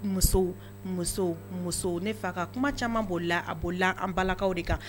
Musow musow musow ne fa ka kuma caman bolila, a boli la, an balakaw de kan.